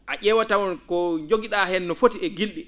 a ?eewat taw ko jogi?aa heen no foti e gil?i